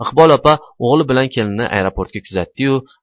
iqbol opa o'g'li bilan kelinini aeroportga kuzatdi yu